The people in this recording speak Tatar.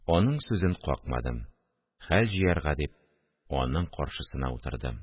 Аның сүзен какмадым: хәл җыярга дип, аның каршысына утырдым